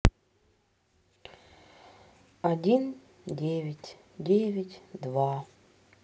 один девять девять два